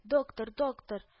— доктор! доктор